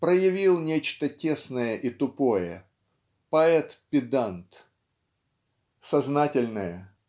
проявил нечто тесное и тупое -- поэт-педант. Сознательное